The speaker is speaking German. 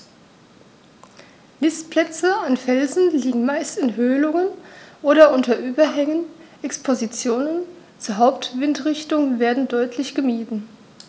Nistplätze an Felsen liegen meist in Höhlungen oder unter Überhängen, Expositionen zur Hauptwindrichtung werden deutlich gemieden.